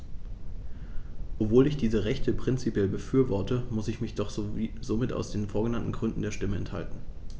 Obwohl ich diese Rechte prinzipiell befürworte, musste ich mich somit aus den vorgenannten Gründen der Stimme enthalten.